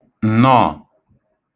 ǹnọ̀ọ̀